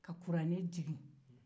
ka kuranɛ jigi